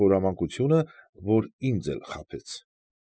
Խորամանկությունը, որ ինձ էլ խաբեց։